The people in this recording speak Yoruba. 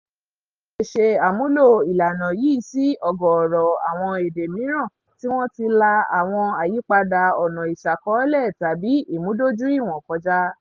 Wọ́n lè ṣe àmúlò ìlànà yìí sí ọ̀gọ̀ọ̀rọ̀ àwọn èdè mìíràn tí wọ́n ti la àwọn àyípadà ọ̀nà ìṣàkọọ́lẹ̀ tàbí ìmúdójúìwọ̀n kọjá.